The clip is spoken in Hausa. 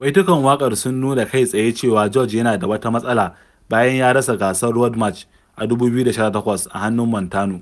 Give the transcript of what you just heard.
Baitukan waƙar sun nuna kai tsaye cewa George yana da wata matsala bayan ya rasa gasar Road March a 2018 a hannun Montano.